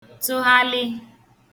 -tụghalị